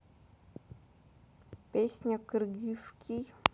песня кыргызский